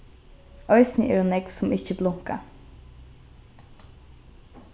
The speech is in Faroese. eisini eru nógv sum ikki blunka